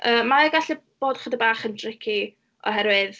Yy, mae o gallu bod ychydig bach yn tricky oherwydd...